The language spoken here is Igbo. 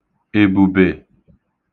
èbùbè